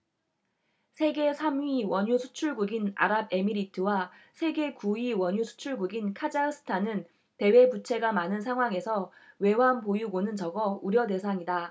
세계 삼 위 원유수출국인 아랍에미리트와 세계 구 위 원유수출국인 카자흐스탄은 대외부채가 많은 상황에서 외환보유고는 적어 우려대상이다